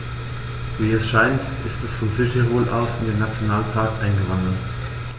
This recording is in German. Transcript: Wie es scheint, ist er von Südtirol aus in den Nationalpark eingewandert.